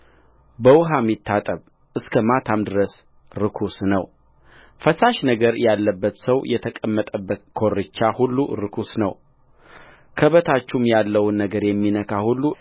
በውኃም ይታጠብ እስከ ማታም ድረስ ርኩስ ነውፈሳሽ ነገር ያለበት ሰው የተቀመጠበት ኮርቻ ሁሉ ርኩስ ነውከበታቹም ያለውን ነገር የሚነካ ሁሉ